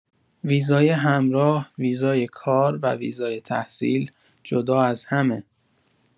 ویزای همراه، ویزای کار و ویزای تحصیل، جدا از همه.